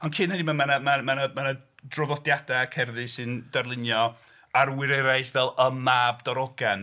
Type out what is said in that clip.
Ond cyn hynny mae 'na... mae 'na... mae 'na draddodiadau a cerddi sy'n darlunio arwyr eraill fel y Mab Darogan.